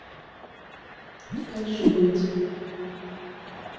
как же быть